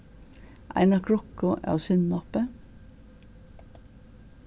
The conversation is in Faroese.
eina krukku av sinnopi